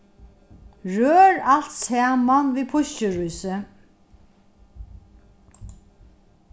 rør alt saman við pískirísi